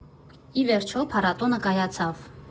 Ի վերջո, փառատոնը կայացավ։